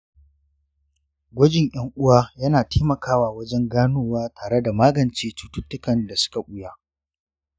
gwajin ‘yan uwa yana taimakawa wajen ganowa tare da magance cututtukan da suka ɓuya.